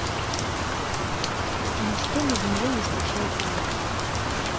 ничто на земле не случается дважды